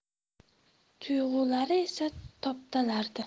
tuyg'ulari esa toptalardi